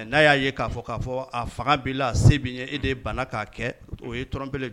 N'a y'a ye k'a fɔ k'a fɔ k'a kɛ a fanga be la , a se bɛ e ye, e de ban na ka kɛ , o ye tromper li ye.